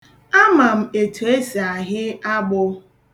Ama m etu esi ahị agbụ.